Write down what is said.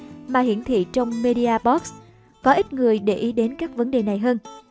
mà hiển thị trong media box có ít người để ý đến các vấn đề này hơn